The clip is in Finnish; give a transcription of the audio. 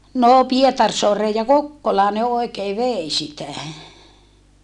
no Pietarsaareen ja Kokkolaan ne oikein vei sitä